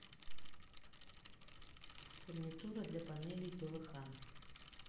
фурнитура для панелей пвх